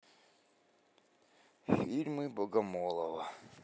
фильмы богомолова